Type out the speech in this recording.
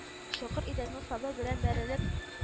Чокыр идәнгә сабы белән бәрелеп